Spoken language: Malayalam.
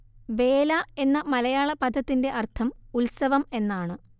വേല എന്ന മലയാള പദത്തിന്റെ അര്‍ത്ഥം ഉത്സവം എന്നാണ്